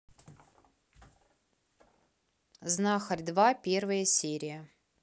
знахарь два первая серия